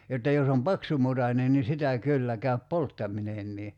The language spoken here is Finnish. jotta jos on paksumutainen niin sitä kyllä käy polttaminenkin